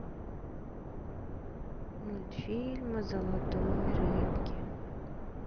мультфильм о золотой рыбке